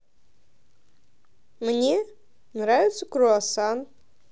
мне нравится круасан